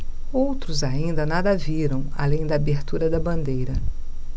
outros ainda nada viram além da abertura da bandeira